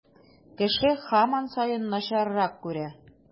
Кеше һаман саен начаррак күрә.